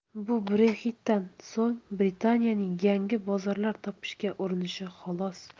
bu brexit'dan so'ng britaniyaning yangi bozorlar topishga urinishi xolos